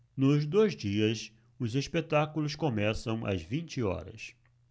nos dois dias os espetáculos começam às vinte horas